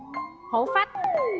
hổ phách